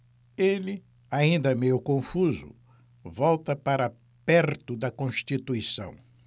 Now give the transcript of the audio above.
ele ainda meio confuso volta para perto de constituição